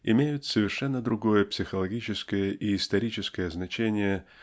имеют совершенно другое психологическое и историческое значение